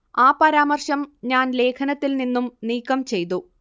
ആ പരാമർശം ഞാൻ ലേഖനത്തിൽ നിന്നും നീക്കം ചെയ്തു